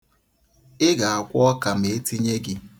Ị ga-akwọ ọka ma e tinye gị.